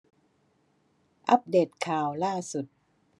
อัพเดตข่าวล่าสุด